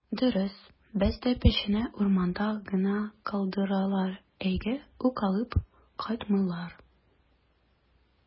Дөрес, бездә печәнне урманда гына калдыралар, өйгә үк алып кайтмыйлар.